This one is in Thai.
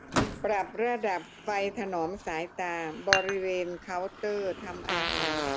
ปรับระบบไฟถนอมสายตาบริเวณเคาน์เตอร์ทำอาหาร